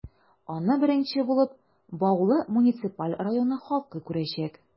Аны беренче булып, Баулы муниципаль районы халкы күрәчәк.